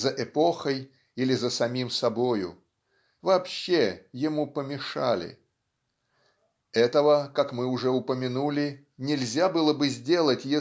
за эпохой или за самим собою. Вообще, ему помешали. Этого как мы уже упомянули нельзя было бы сделать